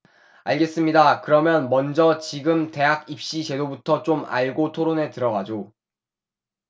알겠습니다 그러면 먼저 지금 대학입시제도부터 좀 알고 토론에 들어가죠